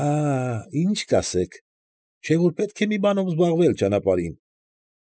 Աա՜, ի՞նչ կասեք, չէ՞ որ պետք է մի բանով զբաղվել ճանապարհին։